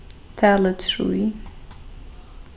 talið trý